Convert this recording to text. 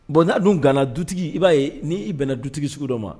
Bon n'a dun gana dutigi i b'a ye n' i bɛnna dutigi sugu dɔ ma